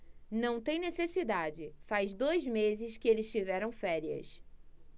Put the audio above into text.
não tem necessidade faz dois meses que eles tiveram férias